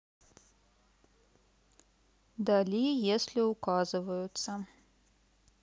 dali если указываются